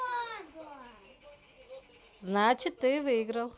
значит ты выиграл